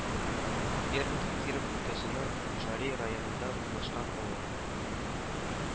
Купренки Киров өлкәсенең Мураши районында урнашкан авыл